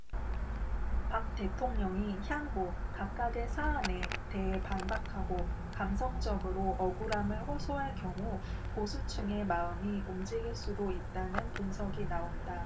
박 대통령이 향후 각각의 사안에 대해 반박하고 감성적으로 억울함을 호소할 경우 보수층의 마음이 움직일 수도 있다는 분석이 나온다